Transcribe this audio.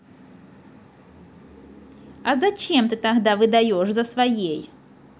а зачем ты тогда выдаешь за своей